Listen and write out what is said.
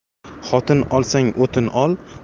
xotin olsang o'tin ol